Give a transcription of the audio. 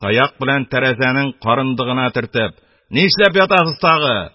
Таяк белән тәрәзәнең карындыгына төртеп: Нишләп ятасыз тагы!